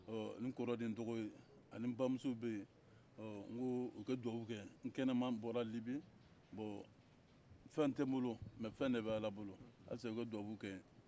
n kɔrɔw ni dɔgɔw ani bamuso bɛ yen n ko u ka duwawu kɛ in ye n kɛnɛman bɔra libi bon fɛn tɛ n bolo mɛ fɛn de bɛ ala bolo halisa u ka duwawu kɛ n ye